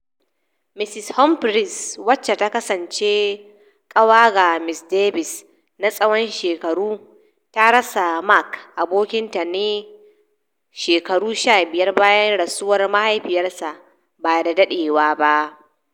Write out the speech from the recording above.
Ms Humphreys, wacce ta kasance kawa ga Ms Davies na tsawon shekaru, ta rasa Mark, abokin ta na shekaru 15, bayan rasuwar mahaifiyarsa ba da daɗewa ba.